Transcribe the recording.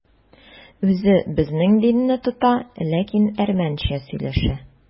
Үзе безнең динне тота, ләкин әрмәнчә сөйләшә.